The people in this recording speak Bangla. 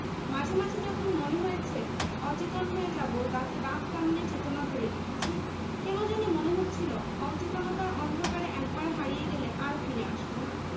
মাঝে মাঝে যখন মনে হয়েছে অচেতন হয়ে যাবো দাঁতে দাঁত কামড়ে চেতনা ধরে রেখেছি কেন জানি মনে হচ্ছিলো অচেতনতার অন্ধকারে একবার হারিয়ে গেলে আর ফিরে আসবো না